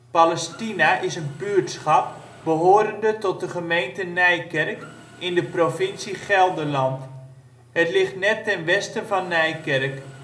Palestina is een buurtschap behorende tot de gemeente Nijkerk in de provincie Gelderland. Het ligt net ten westen van Nijkerk